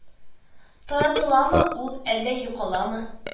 Таратыламы ул, әллә каламы